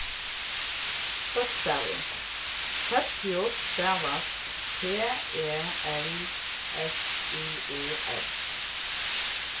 bókstavir celsius stavast c e l s i u s